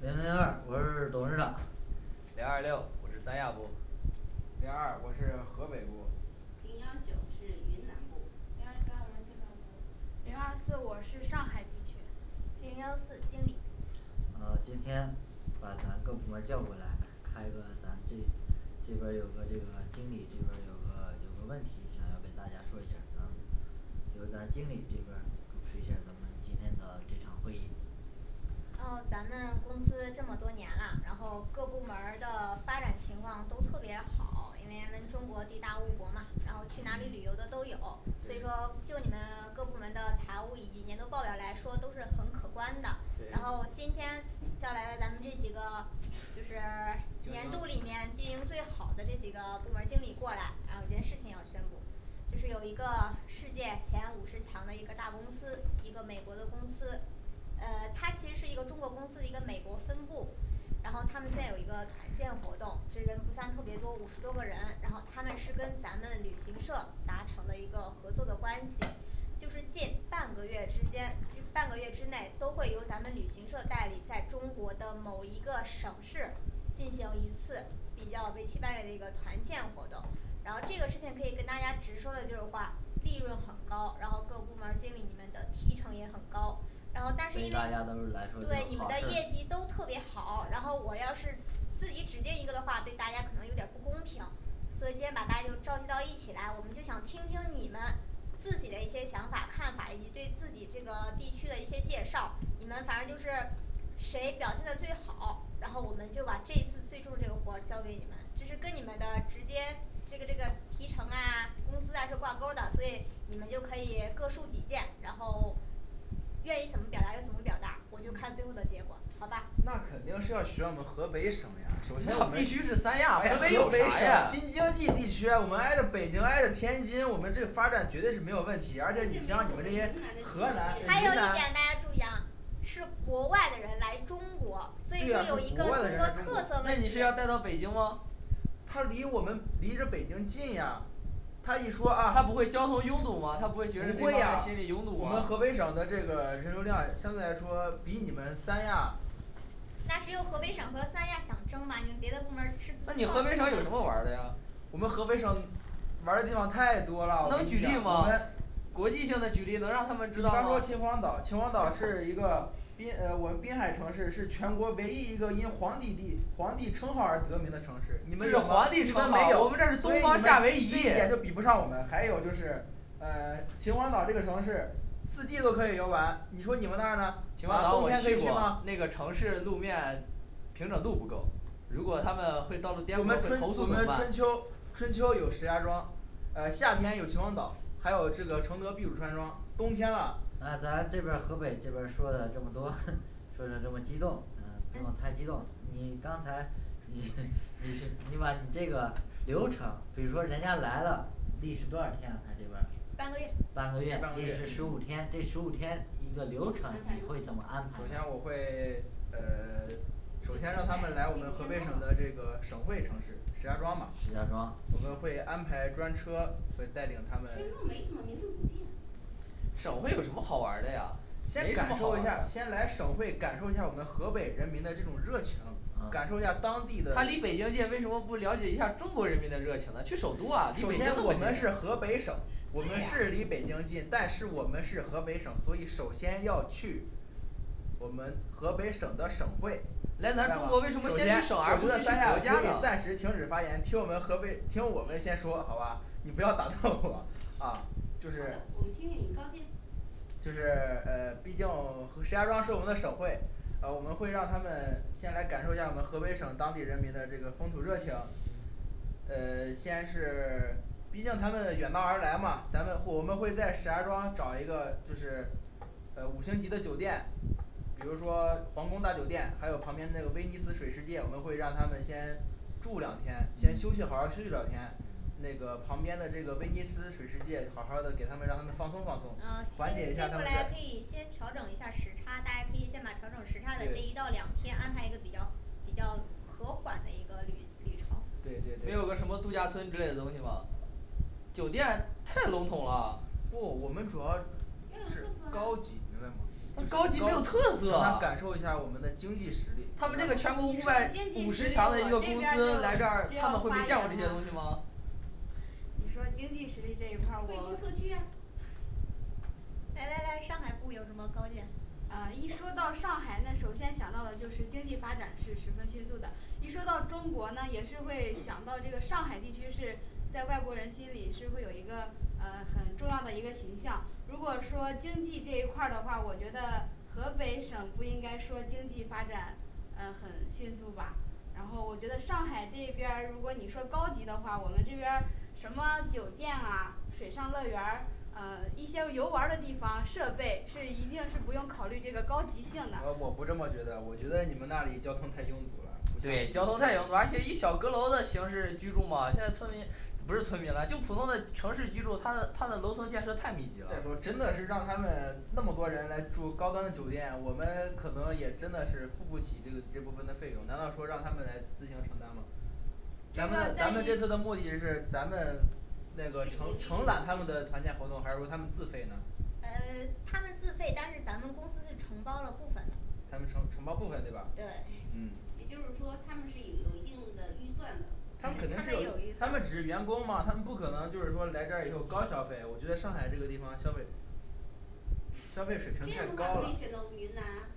零零二我是董事长零二六我是三亚部零二二我是河北部零幺九我是云南部零二三我是四川部零二四我是上海地区零幺四经理啊今天把咱各部门儿叫过来开个咱这这边儿有个这个经理这边儿有个有个问题想要给大家说一下儿啊就是咱经理这边儿主持一下儿咱们今天的这场会议嗯对对就是 年度里面经营最好的这几个部门儿经理过来然后有件事情要宣布就是有一个世界前五十强的一个大公司一个美国的公司呃它其实是一个中国公司一个美国分部然后他们那儿有一个团建活动其实人不算特别多五十多个人然后他们是跟咱们旅行社达成了一个合作的关系就是近半个月时间这半个月之内都会由咱们旅行社代理在中国的某一个省市进行一次比较为期半月的一个团建活动然后这个事情可以跟大家直说的就是话利润很高然后各部门儿经理你们的提成也很高然后但是因对为大家都是来说就是对你们好的事业绩儿都特别好然后我要是自己指定一个的话对大家可能有点儿不公平所以今天把大家就召集到一起来我们就想听听你们自己的一些想法看法以及对自己这个地区的一些介绍你们反正就是谁表现的最好然后我们就把这次最重这个活儿交给你们这是跟你们的直接这个这个提成啊工资啊是挂钩儿的所以你们就可以各抒己见然后愿意怎么表达就怎么表达我就看最后的结果好吧那肯定是要选我们河北省呀首先我们哎呀河北省津京冀地区我们挨着北京挨着天津我们这发展绝对是没有我问们题而且你云南像你的们这些河南云还有一南点大家注意啊是国外的人来中国所以对说啊有一是个国外中国的人来中国特色那问你题是要带到北京吗他离我们离着北京近呀他一说啊他不会交通拥堵吗？他不不会觉得就是会说他呀心里拥堵我吗们河北省的这个人流量相对来说比你们三亚那只有河北省和三亚想争吗你们别的部门儿是放弃了吗我们河北省玩儿的地方太多啦我能跟举你讲我们例比吗方国际性的举例能让他们知道说吗秦皇岛秦皇岛是一个滨呃我们滨海城市是全国唯一一个因皇帝帝皇帝称号而得名的城市你你们们是有皇吗帝你称们没号我有们这儿是所东以你方们夏这威一夷点就比不上我们还有就是啊秦皇岛这个城市四季都可以游玩你说你们那儿呢秦皇岛冬我天可去以去过吗那个城市路面平整度不够如果他们会到我们了颠春我簸投诉怎么们办春秋春秋有石家庄啊夏天有秦皇岛还有这个承德避暑山庄冬天呐那咱这边儿河北这边儿说的这么多 说得这么激动半个月半个月怎么安排呢首先我会嗯 首先让他们来我们河北省的这个省会城市石家庄嘛石家庄我们会安排专车会带领石家他庄们没什么名胜古迹呀先感受一下儿先来省会感受一下儿我们河北人民的这种热情感受一下啊当地的首先我们是河北省我对们是离北呀京近但是我们是河北省所以首先要去我们河北省的省会你知道吗首先我觉得三亚可以暂时停止发言听我们河北听我们先说好吧你不要打断 我啊就是就是嗯毕竟 和石家庄是我们的省会嗯我们会让他们先来感受一下我们河北省当地人民的这个风土热情嗯 先是 毕竟他们远道而来嘛咱们我们会在石家庄找一个就是呃五星级的酒店比如说皇宫大酒店还有旁边那个威尼斯水世界我们会让他们先住两天先休息嗯好好休息两天那嗯个旁边的这个威尼斯水世界好好儿的给他们让他们放松放松缓解一下他们的对对对没对有个什么度假村之类的东西吗酒店太笼统了但高级没有特色啊他们这个你说经济实力我这边儿就就要发全国五百五十强的一个公司来这儿他们会没见过这言些东西吗啦你说经济实力这一块儿可以做我特区呀来来来上海部有什么高见啊一说到上海那首先想到的就是经济发展是十分迅速的一说到中国呢也是会想到这个上海地区是在外国人心里是会有一个嗯很重要的一个形象如果说经济这一块儿的话我觉得河北省不应该说经济发展嗯很迅速吧然后我觉得上海这边儿如果你说高级的话我们这边儿什么酒店啊水上乐园儿嗯一些游玩儿的地方设备是一定是不用考虑这个高级性的呃我不这么觉得我觉得你们那里交通太拥堵了对交通太拥堵而且以小阁楼的形式居住吗现在村民不是村民啦就普通的城市居住它的它的楼层建设太密集了再说真的是让他们那么多人来住高端的酒店我们可能也真的是付不起这个这部分的费用难道说让他们来自行承担吗这咱个们在咱们这次的于目的是咱们那个承承揽他们的团建活动还是说他们自费呢，嗯他们自费但是咱们公司是承包了部分的咱们承对承包部分对吧对嗯也就是说他们是有一定的预算的他们肯定是有他们只是员工嘛他们不可能就是说来这儿以后高消费我觉得上海这个地方消费消费水这平太样的高话可了以选择我们云南啊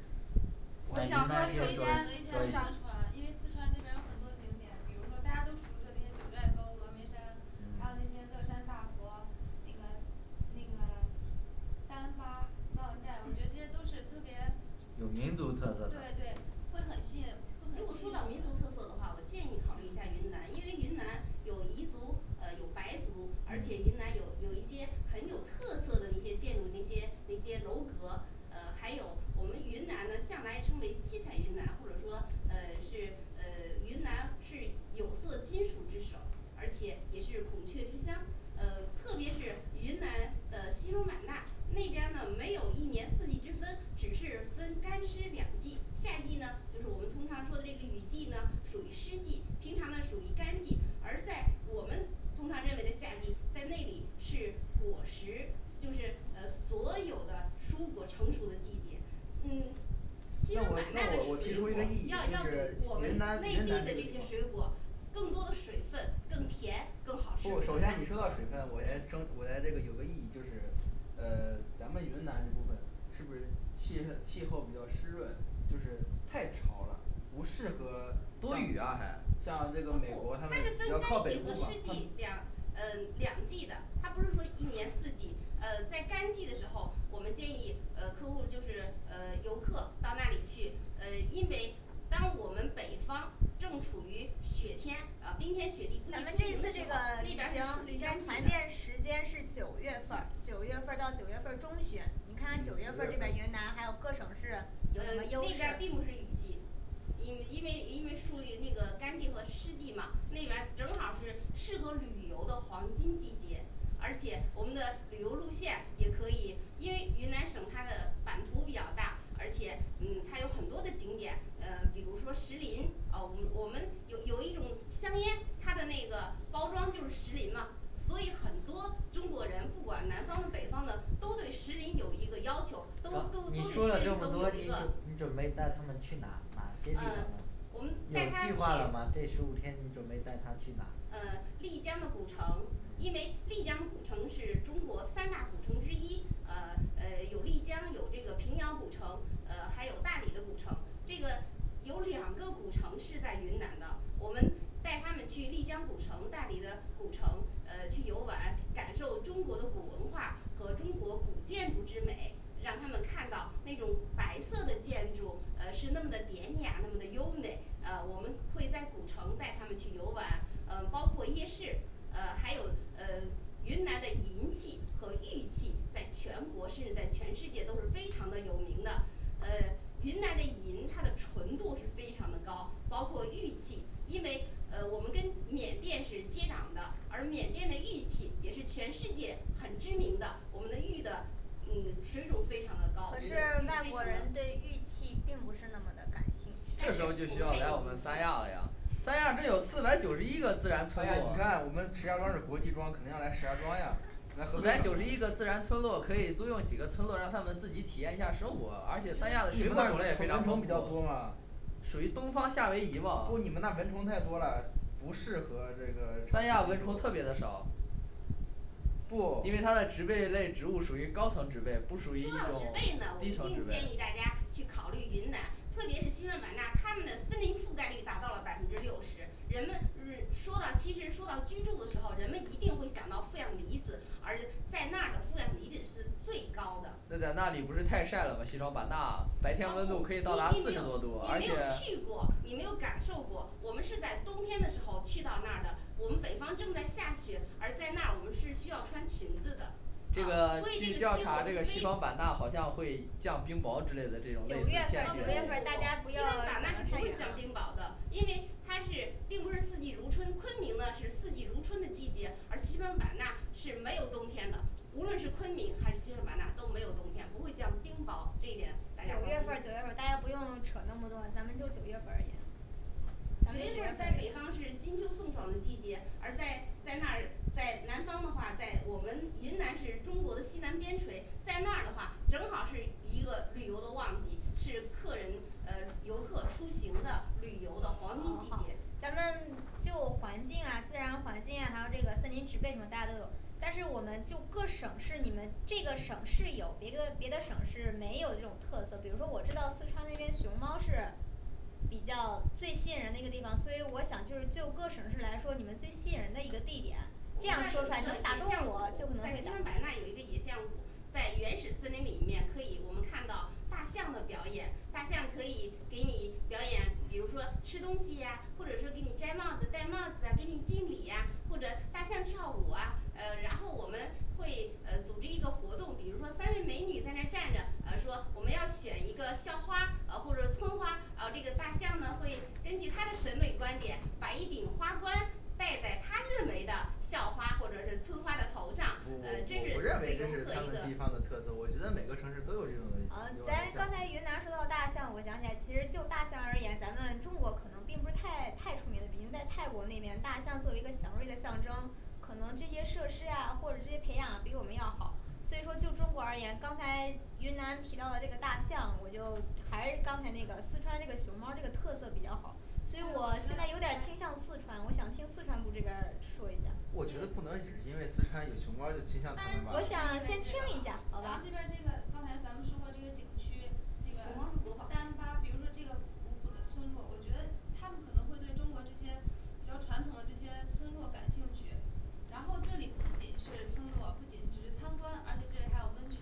有民族特色的对对会很吸引如果说到民族特色的话我建议考虑一下云南因为云南有彝族嗯有白族而且云南有有一些很有特色的那些建筑那些那些楼阁呃还有我们云南呢向来称为七彩云南或者说呃是呃云南是有色金属之首而且也是孔雀之乡呃特别是云南的西双版纳那边儿呢没有一年四季之分只是分干湿两季夏季呢就是我们通常说的这个雨季呢属于湿季平常呢属于干季而在我们通常认为的夏季在那里是果实就是嗯所有的蔬果成熟的季节嗯西那双我版纳那的我我就提出一是个异议要就要是是我云南内云地的南这个这地些水方果更多的水分更甜更好吃不首先你说到水分我先争我呀这个有个异议就是嗯 咱们云南这部分是不是气气候比较湿润就是太潮了不适合多雨啊还啊不它这分干像这个美国他们比较靠北季部和吧湿他季两们嗯两季的它不是说一年四季嗯在干季的时候我们建议嗯客户就是嗯游客到那里去嗯因为咱们这一次这个旅行旅行团建时间是九月份儿九月份儿到九月份儿中旬你看嗯九九月月份份儿儿这边儿云南还有各省市嗯有什么那优势边儿并不是雨季嗯因为因为属于那个干季和湿季嘛那边儿正好儿是适合旅游的黄金季节而且我们的旅游路线也可以，因为云南省它的版图比较大而且嗯它有很多的景点嗯比如说石林啊我 我们有有一种香烟它的那个包装就是石林嘛所以很多中国人不管南方的北方的都对石林有一个要求都都都对石林都有一个嗯我们带有他计去划了吗这十五天你准备带他去哪嗯丽江的古城因为丽江古城是中国三大古城之一嗯嗯有丽江有这个平遥古城嗯还有大理的古城这个有两个古城是在云南的我们带他们去丽江古城大理的古城呃去游玩感受中国的古文化和中国古建筑之美让他们看到那种白色的建筑呃是那么的典雅那么的优美呃我们会在古城带他们去游玩呃包括夜市呃还有呃云南的银器和豫剧在全国甚至在全世界都是非常的有名的嗯云南的银它的纯度是非常的高包括玉器因为嗯我们跟缅甸是接壤的，而缅甸的玉器也是全世界很知名的我们的玉的嗯水种非常的高可是外国人对玉器并不是那么的感兴这但时是候趣就需要来我我们们三还亚了呀有三亚这有四百九十一个自然村哎呀落你看我们石家庄儿是国际庄肯定要来石家庄呀&& 来四河百北九十省一个自然村落可以租用几个村落让他们自己体验一下生活而且三亚你们那儿的蚊虫比较多嘛属于东方夏威夷嘛不你们那儿蚊虫太多啦不适合这个长三亚期蚊居虫住特别的少不因为它的植被类植物属于高层植被不说属于一到植种被呢我低一层植定被建议大家去考虑云南特别是西双版纳它们的森林覆盖率达到了百分之六十人们嗯说吧其实说到居住的时候人们一定会想到负氧离子而在那的负氧离子是最高的那在那里不是太晒了吗西双版纳啊不因因为你没有白天温度可以到达四十多度而且去过你没有感受过我们是在冬天的时候去到那儿的我们北方正在下雪而在那儿我们是需要穿裙子的这啊个所据以这调个查这个西气候双版纳是非好像会降冰雹之类的这九月份儿九种啊不不不不月份儿大家不西要双版想纳的是不太会远降冰雹的因为它是并不是四季如春昆明呢是四季如春的季节而西双版纳是没有冬天的无论是昆明还是西双版纳都没有冬天不会降冰雹这一点儿大九家月份放儿心九月份儿大家不用扯那么多咱们就九月份儿而已咱九们月份在北方是金秋送爽的季节而在在那里 在南方的话在我们云南是中国的西南边陲在那儿的话正好儿是一个旅游的旺季是客人嗯游客出行的旅游呃的好黄金季节咱们就环境啊自然环境啊还有这个森林植被什么大家都有但是我们就各省市你们这个省市有别的别的省市没有的这种特色比如说我知道四川那边熊猫是比较最吸引人那个地方所以我想就是就各省市来说你们最吸引人的一个地点我们这儿有一个野象谷在这样说才能打动我就可能西双版纳有一个野象谷在原始森林里面可以我们看到大象的表演大象可以给你表演比如说吃东西呀或者是给你摘帽子戴帽子啊给你敬礼呀或者大象跳舞啊嗯然后我们会嗯组织一个活动比如说三位美女在那儿站着嗯说我们要选一个校花嗯或者村花啊这个大象呢会根据它审美观点把一顶花冠戴在它认为的校花或者是村花的头上嗯这是一种特异啊啊咱刚才云南说到大象我想起来其实就大象而言咱们中国可能并不是太太出名的比如说在泰国那边大象作为一个祥瑞的象征可能这些设施啊或者这些培养啊比我们要好所以说就中国而言刚才云南提到了这个大象我就还是刚才那个四川那个熊猫儿那个特色比较好所以我现在有点倾向四川我想听四川部这边儿说一下我觉得不能只是因为四川有熊猫儿就倾向他们吧我想先听一下好吧这个丹巴比如说这个古朴的村落我觉得他们可能会对中国这些比较传统的这些村落感兴趣然后这里不仅是村落不仅只是参观而且这里还有温泉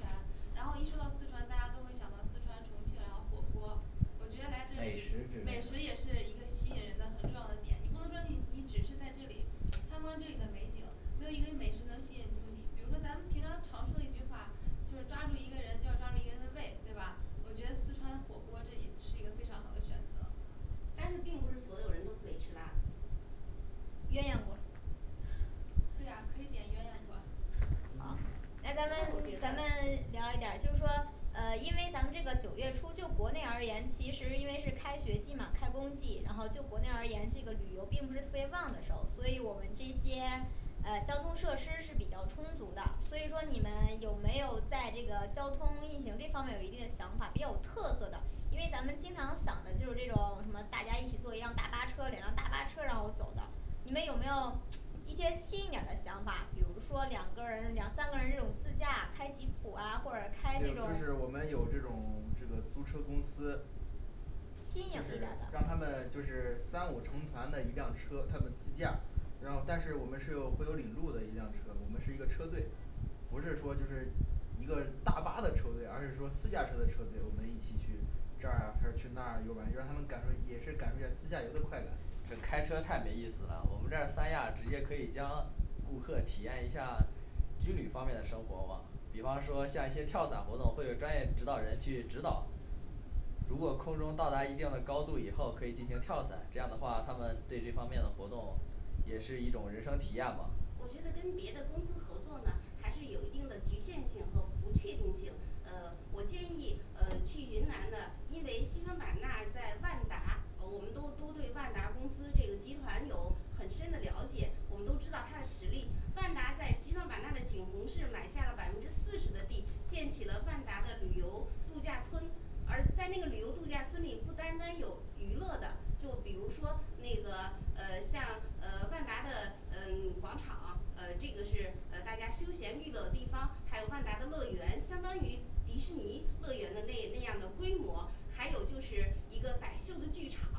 然后一说到四川大家都会想到四川重庆啊火锅我觉得来这里美美食也食之类是一个吸引人的很重要的点你不能说你你只是在这里参观这里的美景没有一个美食能吸引住你比如说咱们平常常说的一句话就是抓住一个人就要抓住一个人的胃对吧我觉得四川火锅这也是一个非常好的选择但是并不是所有人都可以吃辣的鸳鸯锅对啊可以点鸳鸯锅啊那咱们咱们聊一点儿就是说呃因为咱们这个九月初就国内而言其实因为是开学季嘛开工季然后就国内而言这个旅游并不是特别旺的时候儿所以我们这些呃交通设施是比较充足的所以说你们有没有在这个交通运行这方面儿有一定的想法比较有特色的因为咱们经常想的就是这种什么大家一起坐一辆大巴车里然后大巴车拉我们走的你们有没有一些新一点儿的想法比如说两个人两三个人这种自驾开吉普啊或者开这对种就是我们有这种这个租车公司就新颖是一点让他儿的们就是三五成团的一辆车他们自驾然后但是我们是有会有领路的一辆车我们是一个车队不是说就是一个大巴的车队而是说私家车的车队我们一起去这儿啊还是去那儿啊游玩儿让他们感受也是感受一下儿自驾游的快感这开车太没意思啦我们这儿三亚直接可以将顾客体验一下军旅方面的生活嘛比方说像一些跳伞活动会有专业指导人去指导如果空中到达一定的高度以后可以进行跳伞这样的话他们对这方面的活动也是一种人生体验吧我觉得跟别的公司合作呢还是有一定的局限性和不确定性嗯我建议嗯去云南呢因为西双版纳在万达嗯我们都都对万达公司这个集团有很深的了解我们都知道它的实力万达在西双版纳的景洪市买下了百分之四十的地建起了万达的旅游度假村而在那个旅游度假村里不单单有娱乐的就比如说那个呃像呃万达的呃广场呃这个是呃大家休闲娱乐的地方还有万达的乐园相当于迪士尼乐园的那那样的规模还有就是一个傣秀的剧场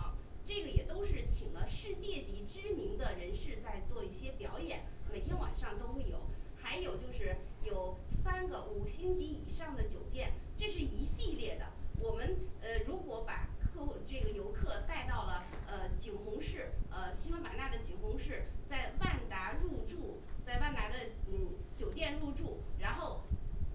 这个也都是请了世界级知名的人士在做一些表演每天晚上都会有还有就是有三个五星级以上的酒店这是一系列的我们嗯如果把客户这个游客带到了嗯景洪市嗯西双版纳的景洪市在万达入住在万达的嗯酒店入住然后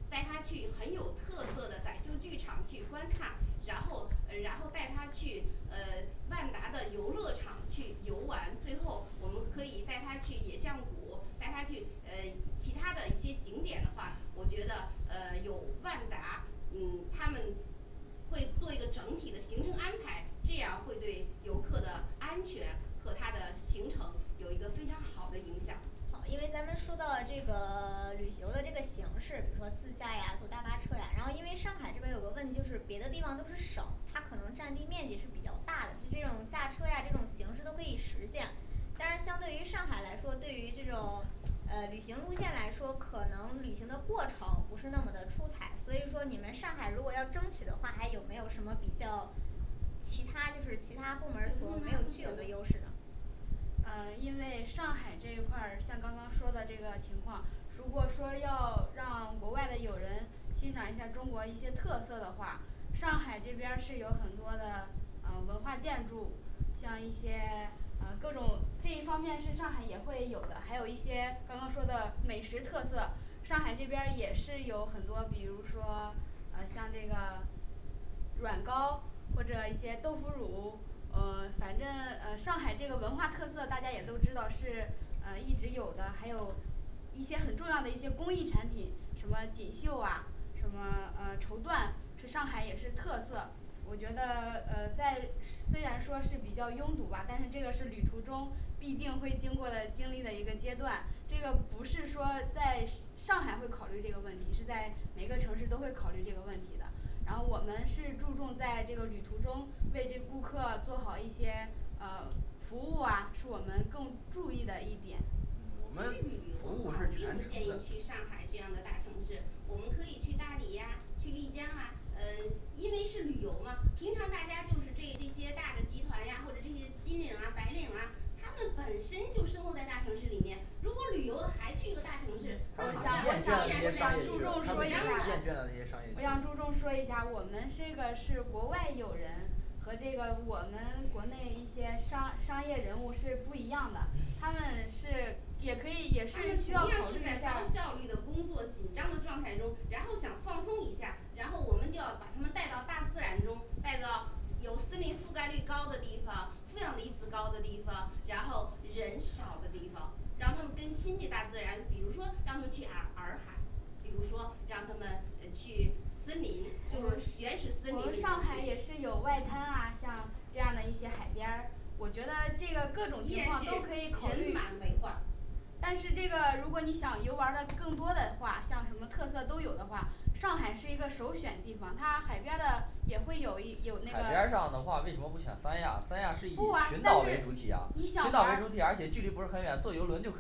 带他去很有特色的傣秀剧场去观看然后呃然后带他去呃万达的游乐场去游玩最后我们可以带他去野象谷带他去呃其他的一些景点的话我我觉得嗯有万达嗯他们会做一个整体的行程安排这样儿会对游客的安全和他的行程有一个非常好的影响好因为咱们说到了这个 旅行的这个形势和自驾呀坐大巴车呀然后因为上海这边儿有个问题就是别的地方都是省它可能占地面积是比较大的就这种驾车啊这种形式都可以实现。但是相对于上海来说对于这种呃旅行路线来说可能旅行的过程不是那么的出彩所以说你们上海如果要争取的话还有没有什么比较其它就是其它部门儿有没有具有的优势呢呃因为上海这一块儿像刚刚说的这个情况如果说要让国外的友人欣赏一下儿中国一些特色的话上海这边儿是有很多的呃文化建筑像一些呃各种这一方面是上海也会有的还有一些刚刚说的美食特色上海这边儿也是有很多比如说呃像这个软膏或者一些豆腐乳呃反正嗯上海这个文化特色大家也都知道是嗯一直有的还有一些很重要的一些公益产品什么锦绣啊什么呃绸缎是上海也是特色我觉得嗯在虽然说是比较拥堵吧但是这个是旅途中必定会经过的经历的一个阶段这个不是说在上上海会考虑这个问题是在每个城市都会考虑这个问题的然后我们是注重在这个旅途中为这顾客做好一些呃服务啊是我们更注意的一点其实旅游的话我并我们服务是全不建程议的去上海这样的大城市我们可以去大理呀去丽江啊呃因为是旅游嘛平常大家就是这这些大的集团呀或者这些金领儿啊白领儿啊他们已经厌倦了那些商业区了他们已经厌倦了那些商业区和这个我们国内一些商商业人物是不一样的他们是也可以他们同也是可以考样是虑在一下高效率的工作紧张的状态中然后想放松一下然后我们就要把他们带到大自然中带到有森林覆盖率高的地方负氧离子高的地方然后人少的地方让他们更亲近大自然比如说让他们去洱洱海比如说让他们嗯去森林就是原始森林我我们上海也是有外滩啊像这样的一些海边儿我觉得这个各种情况都可以考人虑满为患但是这个如果你想游玩儿的更多的话像什么特色都有的话上海是一个首选地方它海边儿的也会有一有那个，不啊但是你想玩儿，我的意思是我的意思是但是你们那儿只